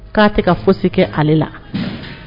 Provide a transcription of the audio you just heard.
Ko'a tɛ ka foyisi kɛ ale la